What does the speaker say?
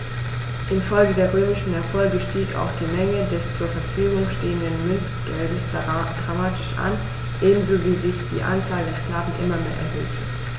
Infolge der römischen Erfolge stieg auch die Menge des zur Verfügung stehenden Münzgeldes dramatisch an, ebenso wie sich die Anzahl der Sklaven immer mehr erhöhte.